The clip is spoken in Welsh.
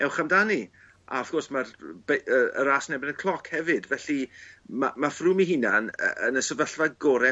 Ewch amdani. A wrth gwrs ma'r bei- yy y ras yn erbyn y cloc hefyd felly ma' ma' Froome 'i hunan yy yn y sefyllfa gore'